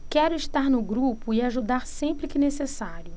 quero estar no grupo e ajudar sempre que necessário